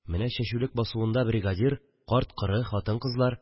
Менә чәчүлек басуында бригадир, карт-коры, хатын-кызлар